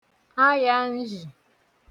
ayānzhị̀